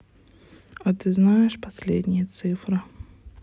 а ты знаешь последние цифры